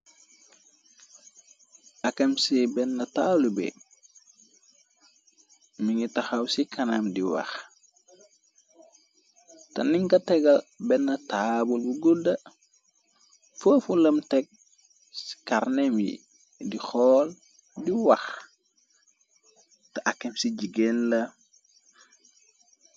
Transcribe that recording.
Akem ci benn taalube, mi ngi taxaw ci kanam di wax, te ninga tegal benn taabul gudda, foofu lam teg ci karnem yi, di xool di wax, te akem ci jigéen la.